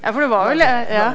ja, for det var vel ja.